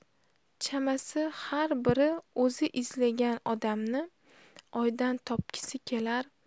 chamasi har biri o'zi izlagan odamni oydan topgisi kelar